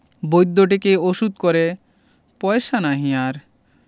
বৈদ্য ডেকে ওষুধ করে পয়সা নাহি আর